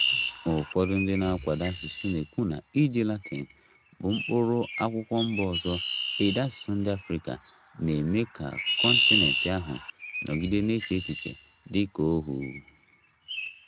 Ụfọdụ ndị na-akwado asụsụ na-ekwu na iji Latin, bụ mkpụrụ akwụkwọ mba ọzọ, ede asụsụ ndị Africa, na-eme ka kọntinentị ahụ nọgide na-eche echiche dị ka ohu.